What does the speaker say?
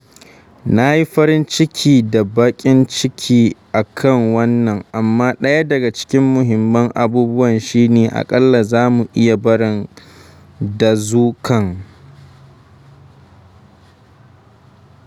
Na yi farin ciki da baƙin ciki a kan wannan, amma ɗaya daga cikin muhimman abubuwa shi ne, aƙalla za mu iya barin dazukan.